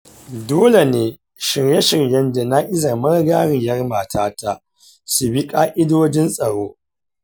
dole ne shirye-shiryen jana’izar marigayiyar matata su bi ƙa’idojin tsaro.